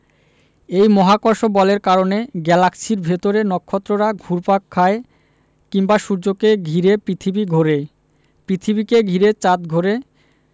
এই মহাকর্ষ বলের কারণে গ্যালাক্সির ভেতরে নক্ষত্ররা ঘুরপাক খায় কিংবা সূর্যকে ঘিরে পৃথিবী ঘোরে পৃথিবীকে ঘিরে চাঁদ ঘোরে